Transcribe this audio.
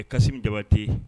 E kasi jaba kuyate